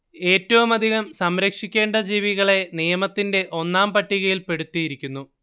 ഏറ്റവുമധികം സംരക്ഷിക്കേണ്ട ജീവികളെ നിയമത്തിന്റെ ഒന്നാം പട്ടികയിൽപെടുത്തിയിരിക്കുന്നു